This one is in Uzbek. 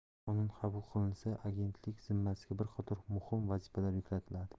qonun qabul qilinsa agentlik zimmasiga bir qator muhim vazifalar yuklatiladi